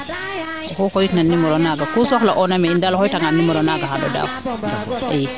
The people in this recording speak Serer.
i oxu xooyit na numero naaga ku soxla oona mee in daal o xooytanga numero naaga xano daaw